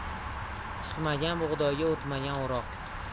chiqmagan bug'doyga o'tmagan o'roq